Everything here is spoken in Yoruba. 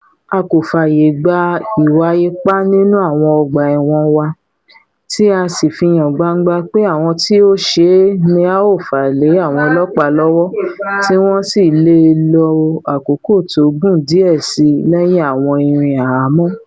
A kò fààyè gba ìwà ipá nínú àwọn ọgbà-ẹ̀wọ̀n wa, tí a sì fihàn gbangba pé àwọn tí ó ṣe é ni a o fà lé àwọn ọlọ́ọ̀pá lọ́wọ́ tí wọ́n sì leè lo àkókó tó gùn díẹ̀ síi lẹ́yìn àwọn irin àhámọ́.